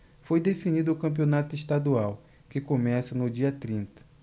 foi definido o campeonato estadual que começa no dia trinta